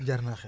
jar naa xeex